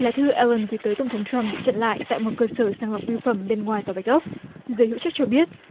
lá thư gửi a lừn gửi tới tổng thống trăm bị chặn lại tại một cơ sở sàng lọc bưu phẩm bên ngoài tòa bạch ốc giới hữu trách cho biết